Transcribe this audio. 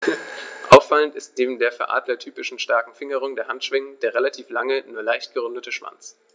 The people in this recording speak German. Auffallend ist neben der für Adler typischen starken Fingerung der Handschwingen der relativ lange, nur leicht gerundete Schwanz.